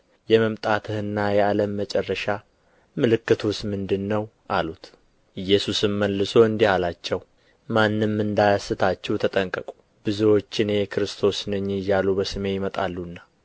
የመምጣትህና የዓለም መጨረሻ ምልክቱስ ምንድር ነው አሉት ኢየሱስም መልሶ እንዲህ አላቸው ማንም እንዳያስታችሁ ተጠንቀቁ ብዙዎች እኔ ክርስቶስ ነኝ እያሉ በስሜ ይመጣሉና